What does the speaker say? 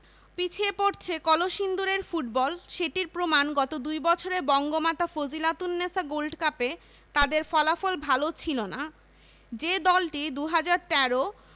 পিছিয়ে পড়ছে কলসিন্দুরের ফুটবল সেটির প্রমাণ গত দুই বছরে বঙ্গমাতা ফজিলাতুন্নেছা গোল্ড কাপে তাদের ফলাফল ভালো ছিল না যে দলটি ২০১৩